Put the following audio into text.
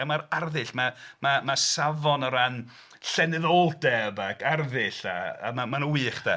A mae'r arddull mae... mae... mae safon o ran llenyddoldeb ac arddull, a ma- maen nhw'n wych de.